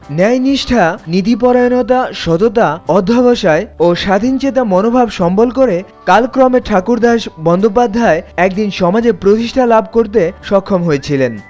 ন্যায়-নিষ্ঠা নীতি পরায়ণতা সততা অধ্যাবসায় ও স্বাধীনচেতা মনোভাব সম্বল করে কালক্রমে ঠাকুরদাস বন্দ্যোপাধ্যায় একদিন সমাজে প্রতিষ্ঠা লাভ করতে সক্ষম হয়েছিলেন